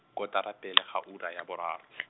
kotara pele ga ura ya boraro .